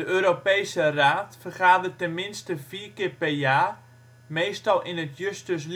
Europese Raad vergadert ten minste vier keer per jaar, meestal in het Justus